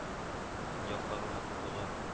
Якларның матурлыгы